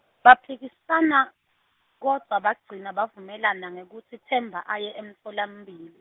baphikisana, kodvwa bagcina bavumelene ngekutsi Themba aye emtfolampil-.